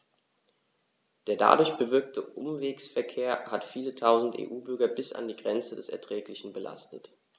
Der dadurch bewirkte Umwegsverkehr hat viele Tausend EU-Bürger bis an die Grenze des Erträglichen belastet.